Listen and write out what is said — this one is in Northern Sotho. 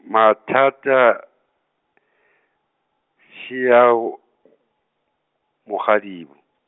mathata , šeao , mogadibo.